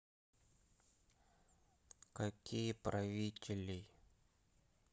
какие правителей